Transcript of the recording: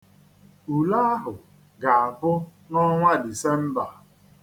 Ule ahụ ga-abụ n'ọnwa Disemba.